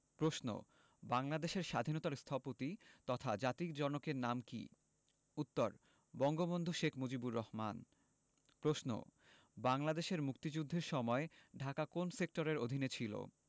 প্রশ্ন বাংলাদেশের স্বাধীনতার স্থপতি তথা জাতির জনকের নাম কী উত্তর বঙ্গবন্ধু শেখ মুজিবুর রহমান প্রশ্ন বাংলাদেশের মুক্তিযুদ্ধের সময় ঢাকা কোন সেক্টরের অধীনে ছিলো